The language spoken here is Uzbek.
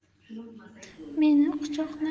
meni quchoqladi